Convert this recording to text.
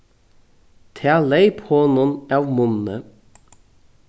tað leyp honum av munni